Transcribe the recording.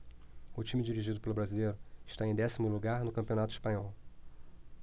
o time dirigido pelo brasileiro está em décimo lugar no campeonato espanhol